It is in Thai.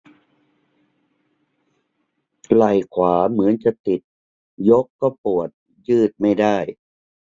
ไหล่ขวาเหมือนจะติดยกก็ปวดยืดไม่ได้